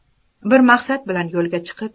bir maqsad bilan yo'lga chiqib